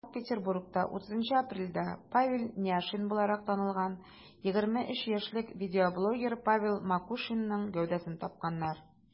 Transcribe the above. Санкт-Петербургта 30 апрельдә Павел Няшин буларак танылган 23 яшьлек видеоблогер Павел Макушинның гәүдәсен тапканнар.